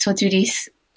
t'o' dwi 'di s-